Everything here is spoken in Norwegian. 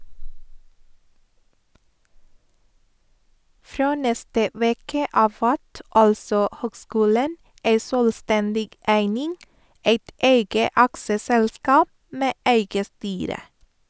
Frå neste veke av vert altså høgskulen ei sjølvstendig eining, eit eige aksjeselskap med eige styre.